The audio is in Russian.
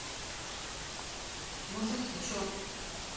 мужик ты чего